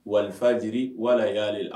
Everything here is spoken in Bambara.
Wali faji walaya le la